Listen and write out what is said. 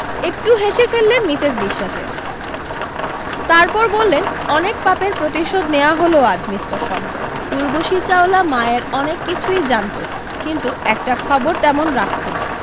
একটু হেসে ফেললেন মিসেস বিশ্বাসের তারপর বললেন অনেক পাপের প্রতিশোধ নেওয়া হলো আজ মিষ্টার শংকর ঊর্বশী চাওলা মায়ের অনেক কিছুই জানতো কিন্তু একটা খবর তেমন রাখতো না